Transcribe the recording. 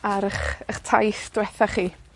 ar 'ych 'ych taith dwetha chi.